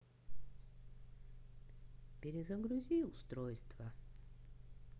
перезагрузи устройство